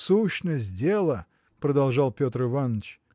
– Сущность дела, – продолжал Петр Иваныч.